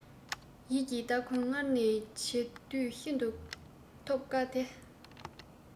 ཡིད ཀྱི སྟ གོན སྔར ནས བྱས འདུག ཤིན ཏུ ཐོབ དཀའ བ དེ